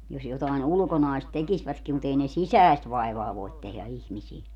jos jotakin ulkonaista tekisivätkin mutta ei ne sisäistä vaivaa voi tehdä ihmisille